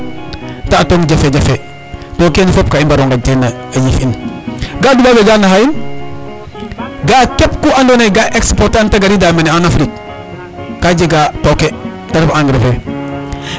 Ta atong jafejafe to kene fop ka i mbar o nqaƴ teen a yiif in ga'aa duɓaaɓ we ga naxaa in ga ken xu ga'pona mene ta explorter an ta garaa mene en afrique ka jega tooke ta ref engrais.